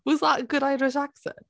Was that a good Irish accent?